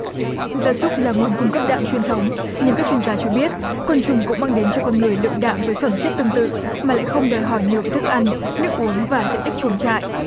gia súc là nguồn cung cấp đạm truyền thống nhưng các chuyên gia cho biết côn trùng cũng mang đến cho con người lượng đạm với phẩm chất tương tự mà lại không đòi hỏi nhiều về thức ăn nước uống và diện tích chuồng trại